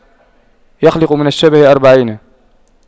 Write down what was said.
يخلق من الشبه أربعين